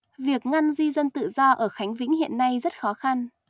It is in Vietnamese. việc ngăn di dân tự do ở khánh vĩnh hiện nay rất khó khăn